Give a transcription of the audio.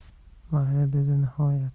mayli dedi nihoyat